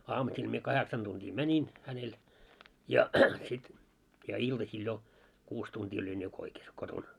aamusilla minä kahdeksan tuntia menin hänelle ja sitten ja iltasilla jo kuusi tuntia olin jo koikassa kotona